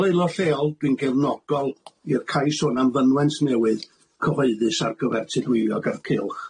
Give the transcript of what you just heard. Ond fel aelod lleol dwi'n gefnogol i'r cais hwn am fynwent newydd cyhoeddus ar gyfer Tudweiliog a'r cylch.